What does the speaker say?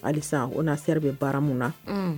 Hali o na seri bɛ baara mun na